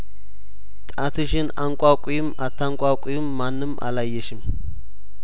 ጣትሽን አንቋቂውም አታንቋቂውም ማንም አላየሽም